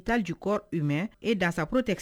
Itaj ko u mɛn e dasa poroo tɛ